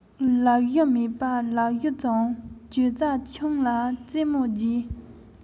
ལབ གཞི མེད པའི ལབ གཞི བྱུང གྱོད རྩ ཆུང ལ རྩེ མོ རྒྱས